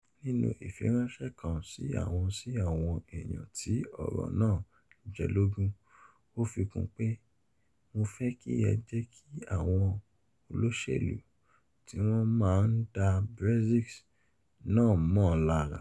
Nínú ìfiránṣẹ́ kan sí àwọn sí àwọn èèyàn tí ọ̀rọ̀ náà jẹ́ lógún, ó fi kun pé: 'Mo fẹ́ kí ẹ jẹ́kí àwọn olóṣèlú, tí wọ́n ma ń da Brexit, náà mọ̀ọ́ lára.